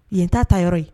Yen ta ta yɔrɔ ye